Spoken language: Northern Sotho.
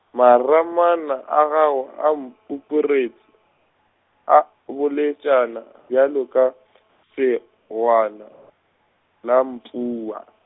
maramana a gago a mapupuruse, a boletšana bjalo ka , segwana, la mpua.